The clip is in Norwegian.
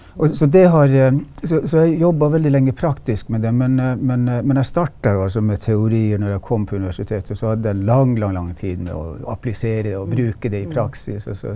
og så det har så så jeg jobba veldig lenge praktisk med det, men men men jeg starta jo altså med teori når jeg kom på universitetet så hadde jeg en lang lang lang tid med å applisere det og bruke det i praksis også.